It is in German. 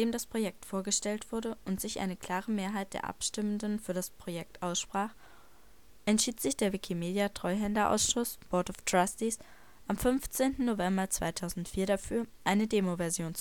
das Projekt vorgestellt wurde und sich eine klare Mehrheit der Abstimmenden für das Projekt aussprach, entschied sich der Wikimedia-Treuhänderausschuss (Board of Trustees) am 15. November 2004 dafür, eine Demo-Version